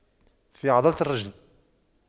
في عضلة الرجل